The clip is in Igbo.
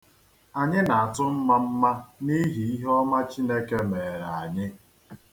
Anyi na-atụ mmamma n'ihi ihe ọma Chineke meere anyị.